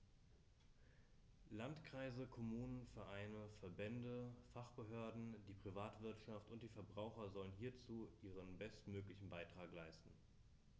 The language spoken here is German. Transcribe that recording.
Landkreise, Kommunen, Vereine, Verbände, Fachbehörden, die Privatwirtschaft und die Verbraucher sollen hierzu ihren bestmöglichen Beitrag leisten.